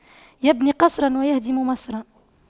يبني قصراً ويهدم مصراً